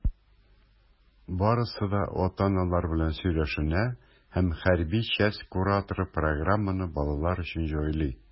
Барысы да ата-аналар белән сөйләшенә, һәм хәрби часть кураторы программаны балалар өчен җайлый.